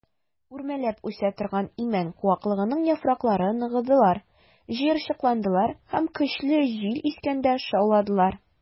Үрмәләп үсә торган имән куаклыгының яфраклары ныгыдылар, җыерчыкландылар һәм көчле җил искәндә шауладылар.